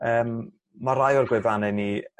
yym ma' rai o'r gwefanne ni